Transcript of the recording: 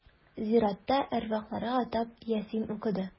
Зиратта әрвахларга атап Ясин укыды.